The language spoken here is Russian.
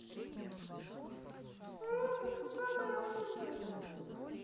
сорока ты самая умная